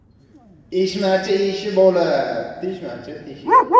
eshmachi eshib olar teshmachi teshib